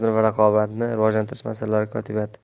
va raqobatni rivojlantirish masalalari kotibiyati